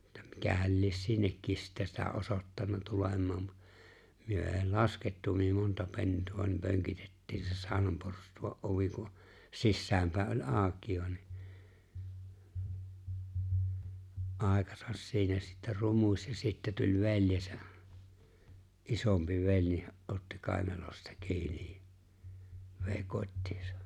että mikähän lie sinnekin sitten sitä osoittanut tulemaan - me ei laskettu me monta pentua niin pönkitettiin se saunan porstuan ovi kun sisäänpäin oli auki niin aikansa siinä sitten rumusi ja sitten tuli veljensä isompi vei ja otti kainalosta kiinni ja vei kotiinsa